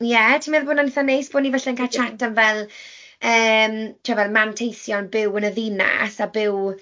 Ie, ti'n meddwl bod hwnna'n ithe neis bod ni falle'n cael chat am fel, yym timod, fel manteision byw yn y ddinas a byw...